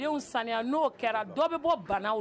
N saniya n'o kɛra dɔ bɛ bɔ bana